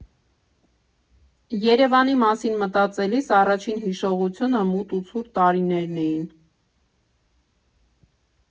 Երևանի մասին մտածելիս առաջին հիշողությունը մութ ու ցուրտ տարիներն են.